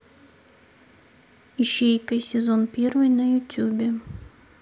ищейка сезон первый на ютуб